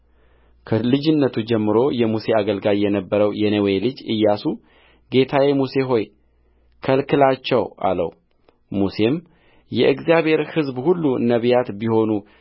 ከልጅነቱ ጀምሮ የሙሴ አገልጋይ የነበረው የነዌ ልጅ ኢያሱ ጌታዬ ሙሴ ሆይ ከልክላቸው አለውሙሴም የእግዚአብሔር ሕዝብ ሁሉ ነቢያት ቢሆኑ